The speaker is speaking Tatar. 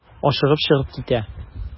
Ашыгып чыгып китә.